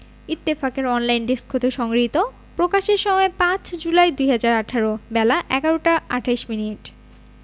ইত্তফাকের online desk হতে সংগৃহীত প্রকাশের সময় ৫ জুলাই ২০১৮ বেলা১১টা ২৮ মিনিট